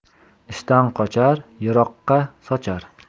ishdan qochar yiroqqa sochar